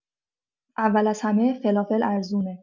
اول از همه، فلافل ارزونه.